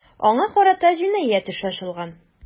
Аңа карата җинаять эше ачылган.